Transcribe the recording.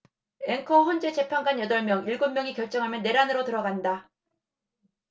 앵커 헌재 재판관 여덟 명 일곱 명이 결정하면 내란으로 들어간다